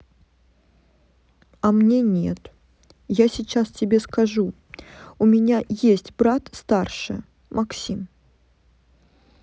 а мне нет я сейчас тебе скажу у меня есть брат старше максим